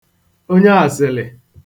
onyeàsị̀lị̀